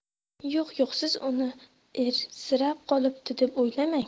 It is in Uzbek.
yo'q yo'q siz uni ersirab qolibdi deb o'ylamang